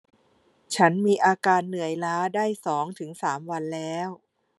ฉันมีอาการเหนื่อยล้าได้สองถึงสามวันแล้ว